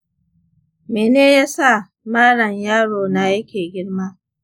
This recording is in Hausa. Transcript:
mene yasa maran yaro na yake girma?